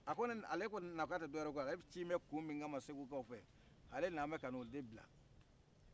a k' ale na kan tɛ dɔwɛrɛ ye ale ci mɛ kun mina segu kaw fɛ ale na mɛ kan' o de bila